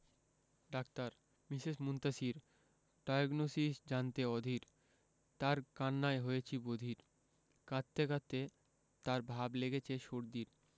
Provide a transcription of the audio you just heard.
doctor Mrs Muntasir diagnosis জানতে অধীর তার কান্নায় হয়েছি বধির কাঁদতে কাঁদতে তার ভাব লেগেছে সর্দির